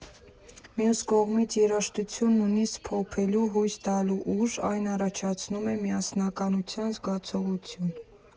Մյուս կողմից՝ երաժշտությունն ունի սփոփելու, հույս տալու ուժ, այն առաջացնում է միասնականության զգացողություն։